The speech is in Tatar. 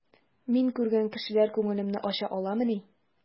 Мин күргән кешеләр күңелемне ача аламыни?